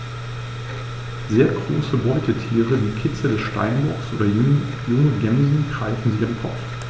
Sehr große Beutetiere wie Kitze des Steinbocks oder junge Gämsen greifen sie am Kopf.